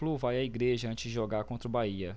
flu vai à igreja antes de jogar contra o bahia